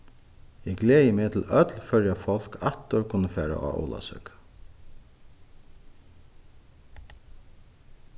eg gleði meg til øll føroya fólk aftur kunnu fara á ólavsøku